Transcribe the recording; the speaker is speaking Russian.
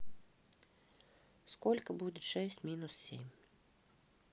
сколько будет шесть минус семь